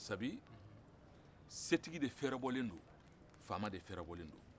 sabu setigi de fɛrɛbɔlen don fama de fɛrɛbɔlen don